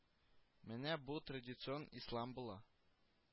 Менә бу традицион ислам була